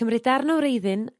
cymryd darn o wreiddyn